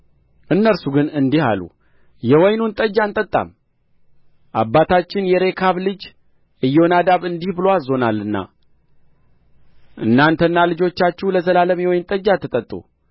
እነርሱ ግን እንዲህ አሉ የወይኑን ጠጅ አንጠጣም አባታችን የሬካብ ልጅ ኢዮናዳብ እንዲህ ብሎ አዝዞናልና እናንተና ልጆቻችሁ ለዘላለም የወይን ጠጅ አትጠጡ